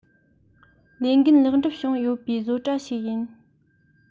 ལས འགན ལེགས འགྲུབ བྱུང ཡོད པའི བཟོ གྲྭ ཞིག ཡིན